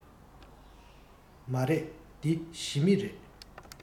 མ རེད འདི ཞི མི རེད